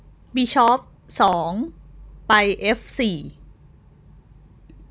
บิชอปสองไปเอฟสี่